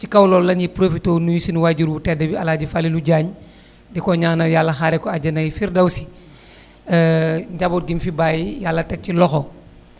ci kaw loolu la ñuy profité nuyu sunu wayjur bu tedd bi El Hadj Falilou Diagne di ko ñaanal yàlla xaaree ko àjjanay firdawsi njaboot gi mu fi bàyyi yàlla teg ci loxo